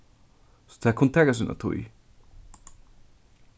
so tað kundi taka sína tíð